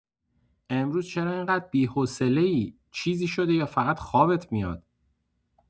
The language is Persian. امروز چرا اینقدر بی‌حوصله‌ای، چیزی شده یا فقط خوابت میاد؟